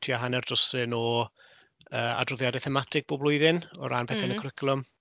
tua hanner dwsin o yy adroddiadau thematig bob blwyddyn o ran... m-hm. ...pethau yn y cwricwlwm.